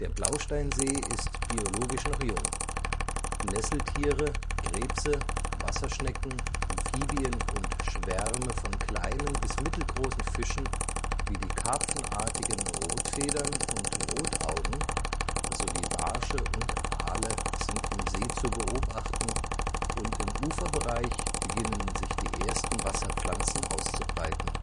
Blausteinsee ist biologisch noch jung. Nesseltiere, Krebse, Wasserschnecken, Amphibien und Schwärme von kleinen bis mittelgroßen Fischen wie die karpfenartigen Rotfedern und Rotaugen (Weißfische) sowie Barsche und Aale sind im See zu beobachten, und im Uferbereich beginnen sich die ersten Wasserpflanzen auszubreiten